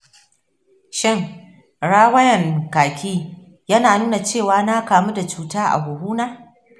shin rawayan kaki yana nuna cewa na kamu da cuta a huhu na?